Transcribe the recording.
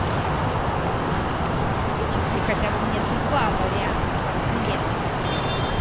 вычисли хотя бы мне два варианта последствий